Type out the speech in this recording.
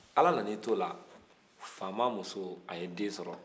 ala nana i t'o la faama muso nana den sɔrɔ